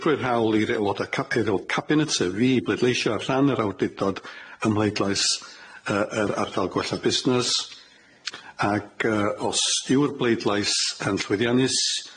Dyrprwy hawl i'r euloda cabi- eulod cainet sef fi i bleidleisho ar rhan yr awdurdod ym mhleidlais yy yr ardal gwella busnes, ag yy os yw'r bleidlais yn llwyddiannus yy